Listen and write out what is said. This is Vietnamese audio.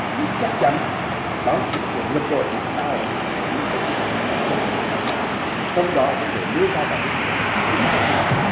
nhưng chắc chắn báo chí sẽ vượt trội mạng xã hội về tính trách nhiệm sự chuẩn mực của các nhà báo trong đó vấn đề nêu cao đạo đức nghề nghiệp cái tính trách nhiệm